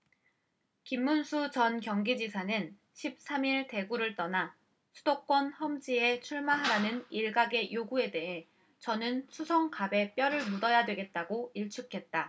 김문수 전 경기지사는 십 삼 일 대구를 떠나 수도권 험지에 출마하라는 일각의 요구에 대해 저는 수성갑에 뼈를 묻어야 되겠다고 일축했다